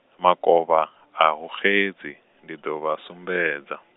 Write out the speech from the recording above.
Makovha, ahu xedzi, ndi ḓo vha sumbedza.